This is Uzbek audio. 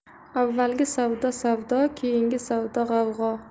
avvalgi savdo savdo keyingi savdo g'avg'o